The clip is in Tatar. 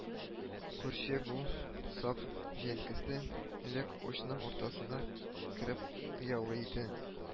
Күрче, бу сап җәенкесе элек учның уртасына кереп оялый иде